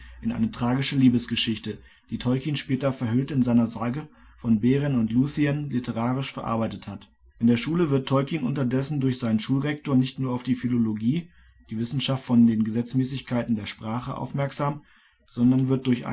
tragische Liebesgeschichte, die Tolkien später verhüllt in seiner Sage von Beren und Lúthien literarisch verarbeitet hat. In der Schule wird Tolkien unterdessen durch seinen Schulrektor nicht nur auf die Philologie, die Wissenschaft von den Gesetzmäßigkeiten der Sprache, aufmerksam, sondern wird durch